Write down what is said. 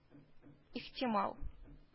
Ихтимал